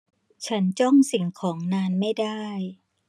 ฉันจ้องสิ่งของนานไม่ได้